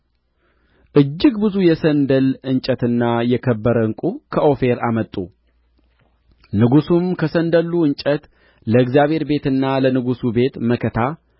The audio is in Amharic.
እጅግ ብዙ የሰንደል እንጨትና የከበረ ዕንቍ ከኦፊር አመጡ ንጉሡም ከሰንደሉ እንጨት ለእግዚአብሔር ቤትና ለንጉሡ ቤት መከታ